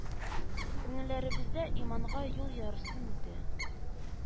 Күңелләребездә иманга юл ярсын иде